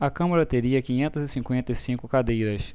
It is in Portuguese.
a câmara teria quinhentas e cinquenta e cinco cadeiras